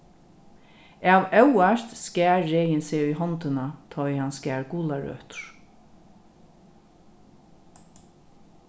av óvart skar regin seg í hondina tá ið hann skar gularøtur